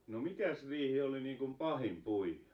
no mikäs riihi oli niin kuin pahin puida